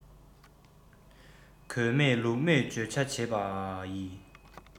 དགོས མེད ལུགས མེད བརྗོད བྱ བྱེད པ ཡི